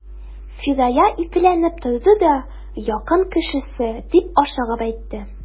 Фирая икеләнеп торды да: — Якын кешесе,— дип ашыгып әйтте.